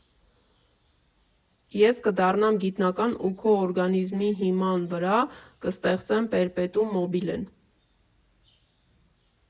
«Ես կդառնամ գիտնական ու քո օրգանիզմի հիման վրա կստեղծեմ պերպետուում մոբիլեն»։